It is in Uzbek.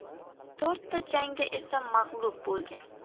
to'rtta jangda esa mag'lub bo'lgan